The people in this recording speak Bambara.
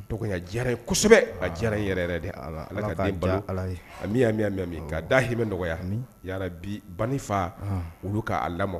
Dɔgɔ jara in kosɛbɛ a diyara n yɛrɛ yɛrɛ de ala ka taa ala a mi y'a mɛ min ka dahimɛ nɔgɔya ya bi ban fa olu k'a lamɔ